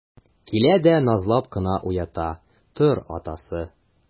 Килә дә назлап кына уята: - Тор, атасы!